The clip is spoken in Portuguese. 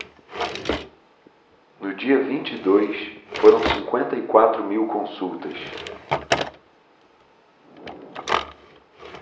no dia vinte e dois foram cinquenta e quatro mil consultas